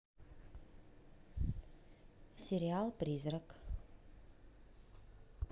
сериал призрак